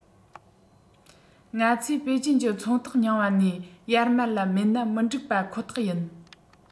ང ཚོས པེ ཅིན གྱི ཚོང རྟགས རྙིང པ ནས ཡར མར ལ མེད ན མི འགྲིག པ ཁོ ཐག ཡིན